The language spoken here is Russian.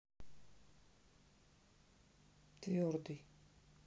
твердый